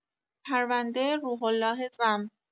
پرونده روح‌الله زم